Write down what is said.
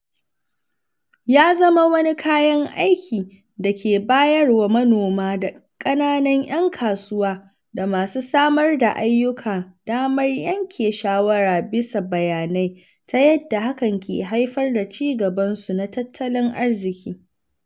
Ya zama wani kayan aiki da ke bayar wa manoma da ƙananan ‘yan kasuwa da masu samar da ayyuka damar yanke shawara bisa bayanai, ta yadda hakan ke haifar da cigabansu na tattalin arziƙi.